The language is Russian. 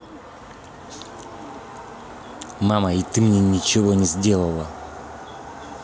мама и ты мне ничего не сделала